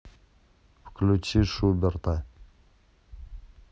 включи шуберта